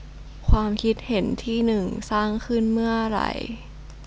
ความคิดเห็นที่หนึ่งสร้างขึ้นเมื่อไร